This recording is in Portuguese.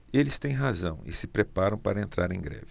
eles têm razão e se preparam para entrar em greve